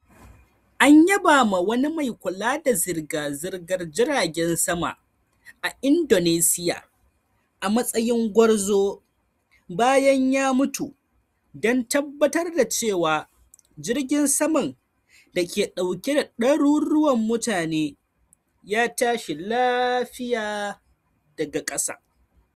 An yaba ma wani mai kula da zirga-zirgar jiragen sama a Indonesiya a matsayin gwarzo bayan ya mutu don tabbatar da cewa jirgin saman da ke dauke da daruruwan mutane ya tashi lafiya daga ƙasa.